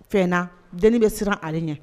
Fɛn na, denni bɛ siran ale ɲɛ